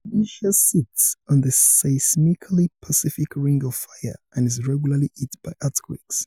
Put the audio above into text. Indonesia sits on the seismically Pacific Ring of Fire and is regularly hit by earthquakes.